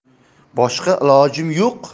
boshqa ilojim yo'q